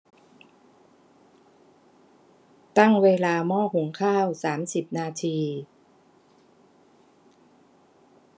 ตั้งเวลาหม้อหุงข้าวสามสิบนาที